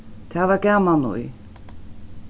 tað var gaman í